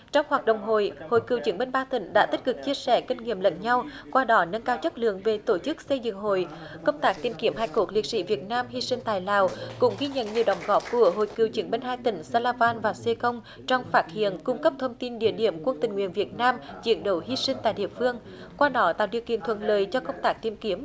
trong hoạt động hội hội cựu chiến binh ba tỉnh đã tích cực chia sẻ kinh nghiệm lẫn nhau qua đó nâng cao chất lượng về tổ chức xây dựng hội công tác tìm kiếm hài cốt liệt sỹ việt nam hy sinh tại lào cũng ghi nhận nhiều đóng góp của hội cựu chiến binh hai tỉnh sa la van và sê công trong phát hiện cung cấp thông tin địa điểm quân tình nguyện việt nam chiến đấu hy sinh tại địa phương qua đó tạo điều kiện thuận lợi cho công tác tìm kiếm